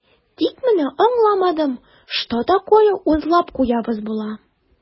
Тик менә аңламадым, что такое "уртлап куябыз" була?